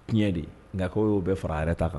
Tiɲɛ de nka' y'o bɛɛ fara yɛrɛ ta kan